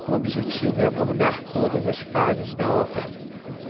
o objetivo é abordar todas as fases da ópera